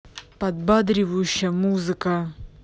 подбадривающая музыка